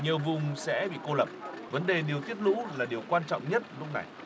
nhiều vùng sẽ bị cô lập vấn đề điều tiết lũ là điều quan trọng nhất lúc này